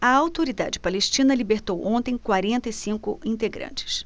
a autoridade palestina libertou ontem quarenta e cinco integrantes